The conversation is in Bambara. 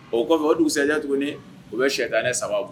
O kɔfɛ o dugu sariya tuguni u bɛ shɛkaɛ sababu